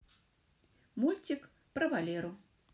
мультик про валеру